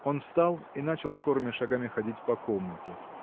Он встал и начал скорыми шагами ходить по комнате.